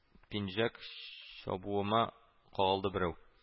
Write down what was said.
Пинжәк чабуыма кагылды берәү